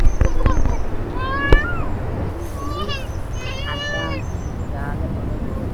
midabkooduna waa gaduud iyo madow baluug caddaan jaalle oranjo